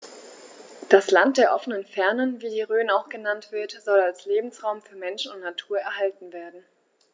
Das „Land der offenen Fernen“, wie die Rhön auch genannt wird, soll als Lebensraum für Mensch und Natur erhalten werden.